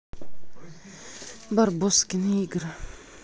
барбоскины игры